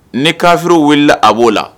Ni kaffiuru wulila a b'o la